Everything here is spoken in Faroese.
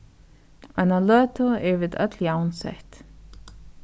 eina løtu eru vit øll javnsett